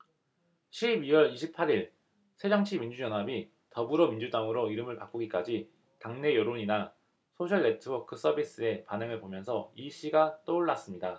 십 이 월 이십 팔 일 새정치민주연합이 더불어민주당으로 이름을 바꾸기까지 당내 여론이나 소셜네트워크서비스의 반응을 보면서 이 시가 떠올랐습니다